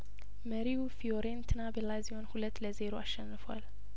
መሪው ፊዮሬንቲና በላዚዮን ሁለት ለዜሮ ተሸንፏል